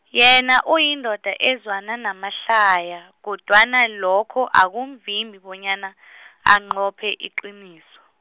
yena uyindoda ezwana namahlaya, kodwana lokho, akumvimbi bonyana , anqophe iqiniso.